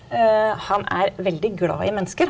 han er veldig glad i mennesker.